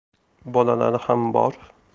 bolalari ham bor